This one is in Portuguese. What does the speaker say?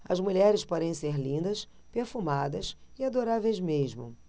as mulheres podem ser lindas perfumadas e adoráveis mesmo